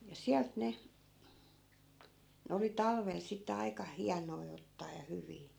ja sieltä ne ne oli talvella sitten aika hienoja ottaa ja hyviä